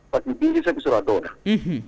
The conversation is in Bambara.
A tun den bɛ bɛ sɔrɔ a dɔw na